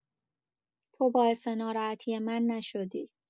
تو باعث ناراحتی من نشدی.